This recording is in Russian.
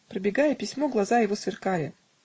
Пробегая письмо, глаза его сверкали.